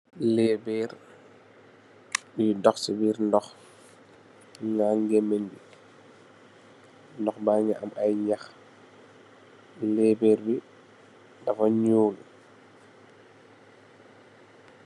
le ber yu dooh, ci biir dokh nage geemibi le berbi dafa nuul.